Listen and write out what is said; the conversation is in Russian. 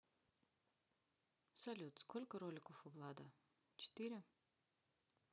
салют сколько роликов у влада четыре